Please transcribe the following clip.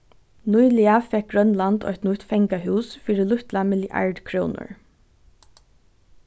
nýliga fekk grønland eitt nýtt fangahús fyri lítla milliard krónur